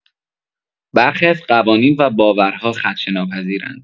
برخی از قوانین و باورها خدشه‌ناپذیرند.